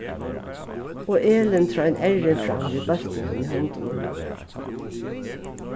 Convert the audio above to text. og elin trein errin fram við bóltinum í hondunum